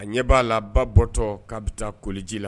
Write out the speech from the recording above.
A ɲɛ b'a la ba bɔtɔ ka bɛ taa koliji la